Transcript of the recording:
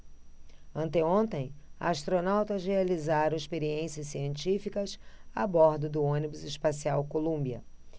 anteontem astronautas realizaram experiências científicas a bordo do ônibus espacial columbia